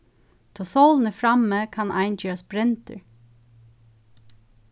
tá sólin er frammi kann ein gerast brendur